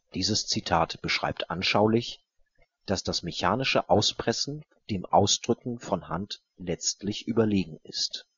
Dieses Zitat beschreibt anschaulich, dass das mechanische Auspressen dem Ausdrücken von Hand letztlich überlegen ist